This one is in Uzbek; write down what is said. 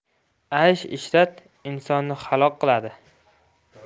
aysh ishrat insonni halok qiladi